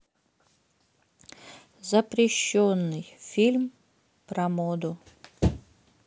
запрещенный фильм про моду